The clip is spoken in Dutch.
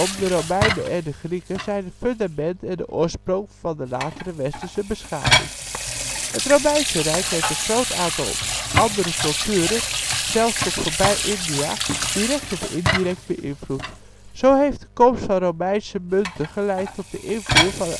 de Romeinen (en de Grieken) zijn het fundament en de oorsprong van de latere Westerse beschaving. Het Romeinse Rijk heeft een groot aantal andere culturen, zelfs tot voorbij India, direct of indirect beïnvloed. Zo heeft de komst van Romeinse munten geleid tot de invoer van